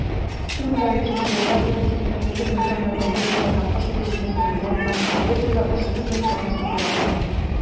2015 елда 488 мең тонна терлек ите һәм кош ите җитештерелгән һәм 468 мең тонна сатылган.